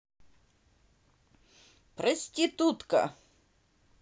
прости тутка